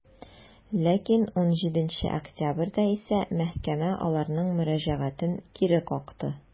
Ләкин 17 октябрьдә исә мәхкәмә аларның мөрәҗәгатен кире какты.